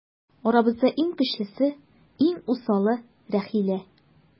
Арабызда иң көчлесе, иң усалы - Рәхилә.